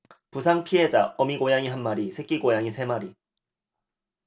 부상 피해자 어미 고양이 한 마리 새끼 고양이 세 마리